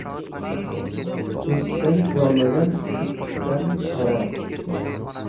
eshikdan kirolmagan tirqishdan qarar